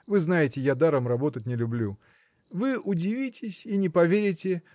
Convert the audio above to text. вы знаете, я даром работать не люблю. Вы удивитесь и не поверите